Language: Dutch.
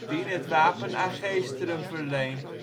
1818 het wapen aan Geesteren verleend